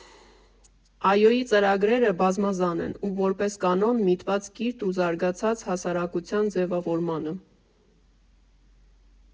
ԱՅՈ֊ի ծրագրերը բազմազան են ու, որպես կանոն, միտված կիրթ ու զարգացած հասարակության ձևավորմանը։